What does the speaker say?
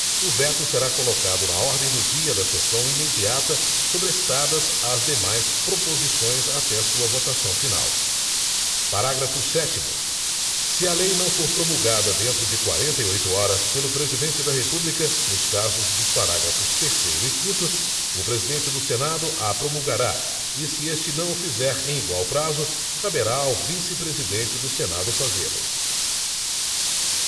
o veto será colocado na ordem do dia da sessão imediata sobrestadas as demais proposições até sua votação final parágrafo sétimo se a lei não for promulgada dentro de quarenta e oito horas pelo presidente da república nos casos dos parágrafos terceiro e quinto o presidente do senado a promulgará e se este não o fizer em igual prazo caberá ao vice presidente do senado fazê lo